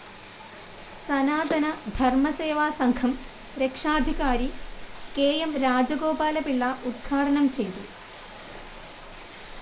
സനാതന ധർമസേവാസംഘം രക്ഷാധികാരി കെ എം രാജഗോപാലപിള്ള ഉദ്ഘാടനം ചെയ്തു